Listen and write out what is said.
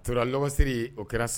A tora lɔkɔsiri o kɛra